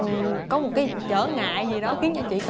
ừ có một cái trở ngại gì đó khiến cho chị